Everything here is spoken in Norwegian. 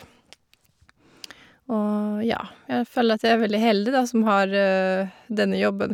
Og, ja, jeg føler at jeg er veldig heldig, da, som har denne jobben.